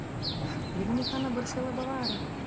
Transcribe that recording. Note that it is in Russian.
доминикана барсело баваро